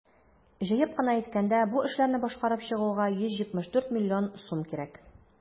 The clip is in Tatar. Җыеп кына әйткәндә, бу эшләрне башкарып чыгуга 174 млн сум кирәк.